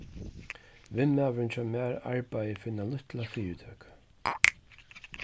vinmaðurin hjá mær arbeiðir fyri eina lítla fyritøku